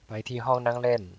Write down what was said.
ไปที่ห้องนั่งเล่น